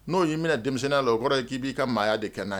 N'o y'i denmisɛn la o kɔrɔ ye k'i'i ka maaya de kɛ n' ye